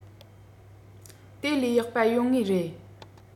དེ ལས ཡག པ ཡོང ངེས རེད